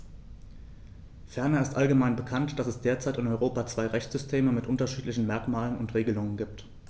Ferner ist allgemein bekannt, dass es derzeit in Europa zwei Rechtssysteme mit unterschiedlichen Merkmalen und Regelungen gibt.